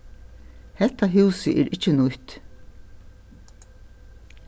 hetta húsið er ikki nýtt